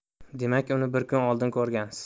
demak uni bir kun oldin ko'rgansiz